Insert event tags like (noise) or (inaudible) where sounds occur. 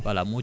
(hesitation) (hesitation)